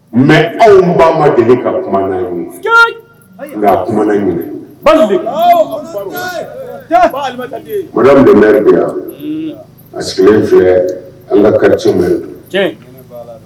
Mɛ aw ba deli ka kuma nka kuma ɲini basi bamanan bɛ de yan a sigilen filɛ an ka kariti ma ye